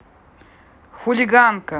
хулиганка